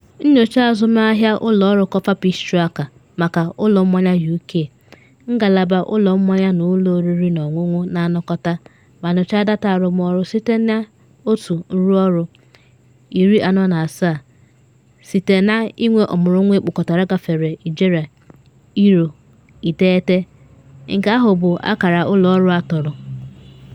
Nyocha azụmahịa ụlọ ọrụ Coffer Peach Tracker maka ụlọ mmanya UK, ngalaba ụlọ mmanya na ụlọ oriri na ọṅụṅụ na anakọta ma nyochaa data arụmọrụ site na otu nrụọrụ 47, site na ịnwe ọmụrụnwa ekpokọtara gafere ijeri £9, nke ahụ bụ akara ụlọ ọrụ atọrọ.